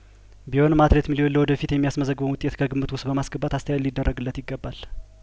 ቢሆንም አትሌት ሚሊዮን ለወደፊት የሚያስመዘግበውን ውጤት ከግምት ውስጥ በማስገባት አስተያየት ሊደረግለት ይገባል